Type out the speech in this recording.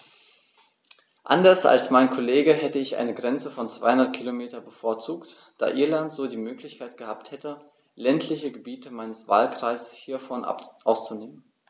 Anders als mein Kollege hätte ich eine Grenze von 200 km bevorzugt, da Irland so die Möglichkeit gehabt hätte, ländliche Gebiete meines Wahlkreises hiervon auszunehmen.